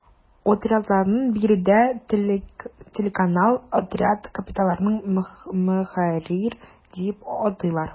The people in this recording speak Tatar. Отрядларны биредә “телеканал”, отряд капитаннарын “ мөхәррир” дип атыйлар.